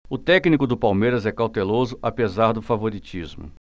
o técnico do palmeiras é cauteloso apesar do favoritismo